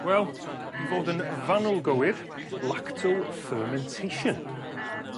Wel i fod yn fanwl gywir lacto fermentation